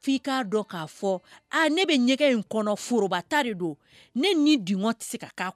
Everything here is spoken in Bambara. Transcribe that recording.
F'i ka dɔn k'a fɔ aa ne bɛ ɲɛgɛn in kɔnɔ foroba ta de don ne ni diŋɔ ti se ka k